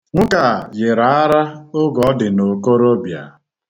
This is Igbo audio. Nwoke a yịrị ara oge ọ dị n'okorobịa.